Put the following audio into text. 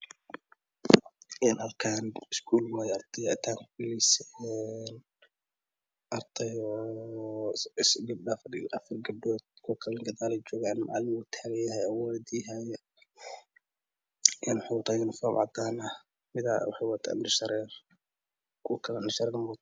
Halkaan waaye ardaybaa imtaxaan kugakayso Gabdhaa fadhiiyo oo afar ah kuwa kale gaadaaley joogan macalina wuu taagan yahay wuuna waardiyaynayaa kan waxa uu wataa yunifom cadaan ah midaa waxay wadataa indha shareer kuwakalana mawataan